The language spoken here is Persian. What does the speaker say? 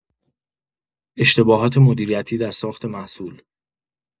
اشتباهات مدیریتی در ساخت محصول